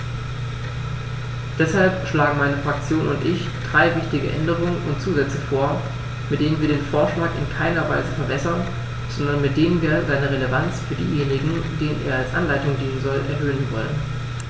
Deshalb schlagen meine Fraktion und ich drei wichtige Änderungen und Zusätze vor, mit denen wir den Vorschlag in keiner Weise verwässern, sondern mit denen wir seine Relevanz für diejenigen, denen er als Anleitung dienen soll, erhöhen wollen.